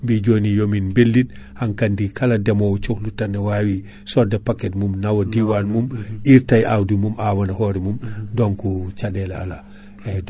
so fuɗi kaadi ko fuɗi ko kaadi ha dañoya lewru e balɗe balɗe nogas donc rafiji keɓoji ndemateri haɓata ɗum